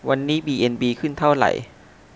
วันนี้บีเอ็นบีขึ้นเท่าไหร่